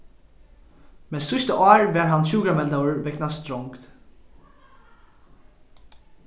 men síðsta ár varð hann sjúkrameldaður vegna strongd